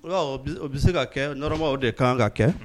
O bɛ se ka kɛ normalement o de kan ka kɛ.